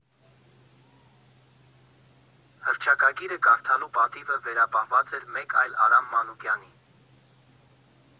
Հռչակագիրը կարդալու պատիվը վերապահված էր մեկ այլ Արամ Մանուկյանի։